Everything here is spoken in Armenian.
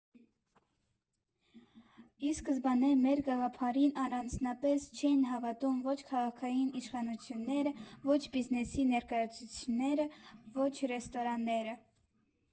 Ի սկզբանե մեր գաղափարին առանձնապես չէին հավատում ոչ քաղաքային իշխանությունները, ոչ բիզնեսի ներկայացուցիչները, ոչ ռեստորանները։